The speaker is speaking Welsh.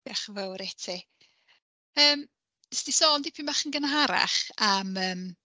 Diolch yn fawr i ti. yym, ti di sôn tipyn bach yn gynharach...